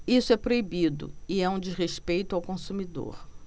isso é proibido e é um desrespeito ao consumidor